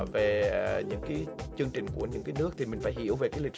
về những cái chương trình của những nước thì mình phải hiểu về cái lịch